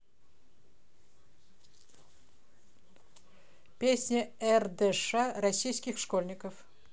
песня рдш российских школьников